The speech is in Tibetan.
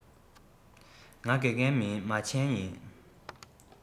ང དགེ རྒན མིན མ བྱན ཡིན